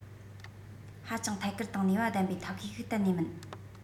ཧ ཅང ཐད ཀར དང ནུས པ ལྡན པའི ཐབས ཤེས ཞིག གཏན ནས མིན